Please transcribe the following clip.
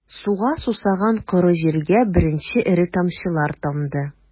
Суга сусаган коры җиргә беренче эре тамчылар тамды...